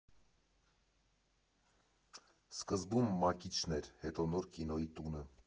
Սկզբում Մակիչն էր՝ հետո նոր Կինոյի տունը.